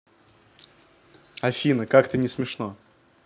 афина как то не смешно